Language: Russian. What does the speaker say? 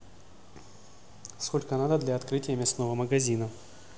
сколько надо для открытия мясного магазина